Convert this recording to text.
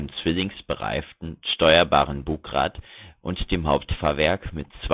zwillingsbereiften, steuerbaren Bugrad und dem Hauptfahrwerk mit